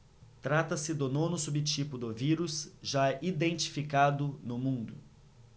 trata-se do nono subtipo do vírus já identificado no mundo